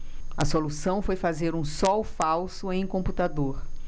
a solução foi fazer um sol falso em computador